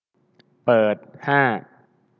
เปิดห้า